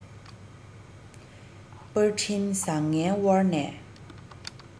པར འཕྲིན བཟང ངན དབར ནས